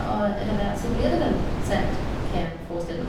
Og etter hvert så blir det vel sant, kan jeg forestille meg.